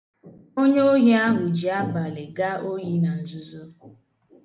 Onye ohi ahụ ji abalị gaa ohi na nzuzo.